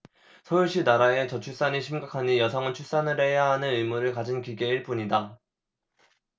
서울시나라의 저출산이 심각하니 여성은 출산을 해야 하는 의무를 가진 기계일 뿐이다